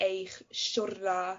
eich siwrna